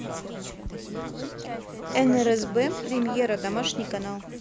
нрзб премьера домашний канал